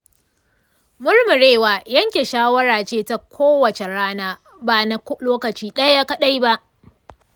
murmurewa yanke shawara ce ta kowace rana, ba na lokaci ɗaya kaɗai ba.